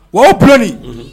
O o bilain